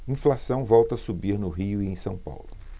inflação volta a subir no rio e em são paulo